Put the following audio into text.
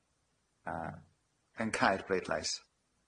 A, yn cau'r bleidlais.